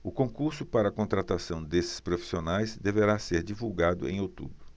o concurso para contratação desses profissionais deverá ser divulgado em outubro